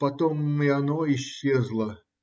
Йотом и оно исчезло.